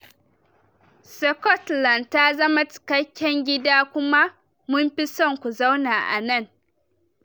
Scotland ta zama cikakken gida kuma munfi son ku zauna nan."